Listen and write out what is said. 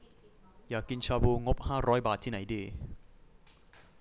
อยากกินชาบูงบห้าร้อยบาทที่ไหนดี